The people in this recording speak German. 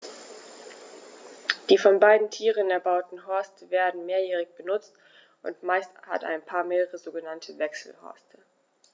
Die von beiden Tieren erbauten Horste werden mehrjährig benutzt, und meist hat ein Paar mehrere sogenannte Wechselhorste.